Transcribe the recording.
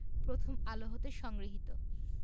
প্রথম আলো হতে সংগৃহীত